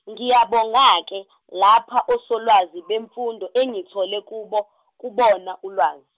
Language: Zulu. ngiyabonga ke, lapha osolwazi bemfundo engithole kubo, kubona ulwazi.